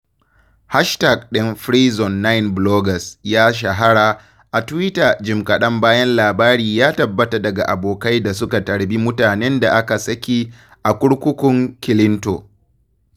Hashtag ɗin #FreeZone9Bloggers ya shahara a Twitter jim kaɗan bayan labarin ya tabbata daga abokai da suka tarbi mutanen da aka saki a Kurkukun Kilinto.